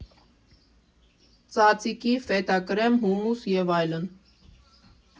Ձաձիկի, ֆետա կրեմ, հումուս և այլն։